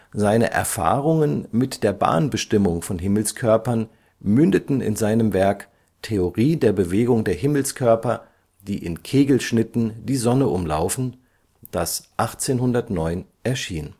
Seine Erfahrungen mit der Bahnbestimmung von Himmelskörpern mündeten in seinem Werk Theoria motus corporum coelestium in sectionibus conicis solem ambientium (Theorie der Bewegung der Himmelskörper, die in Kegelschnitten die Sonne umlaufen), das 1809 erschien